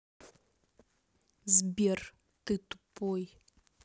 сбер ты тупой